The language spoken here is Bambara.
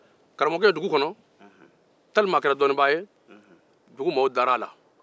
dugu mɔgɔw dara karamɔgɔkɛ la tɛlima a kɛra dɔnnibaa ye